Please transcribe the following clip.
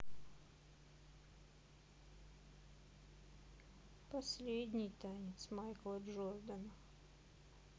последний танец майкл джордан